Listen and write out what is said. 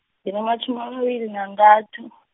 nginamatjhumi amabili nantathu.